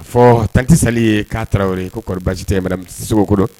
A fɔ tanti_ Sali ye k'a Tarawele madame Sisoko ko don